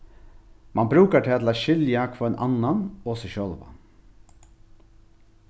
man brúkar tað til skilja hvønn annan og seg sjálvan